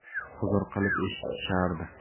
huzur qilib eshitishardi